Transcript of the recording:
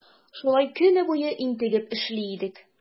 Шулай көне буе интегеп эшли идек.